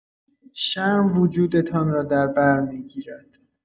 شرم وجودتان را در بر می‌گیرد.